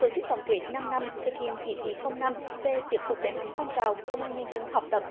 tổ chức tổng kết năm năm thực hiện chỉ thị không năm về tiếp tục đẩy mạnh phong trào công an nhân dân học tập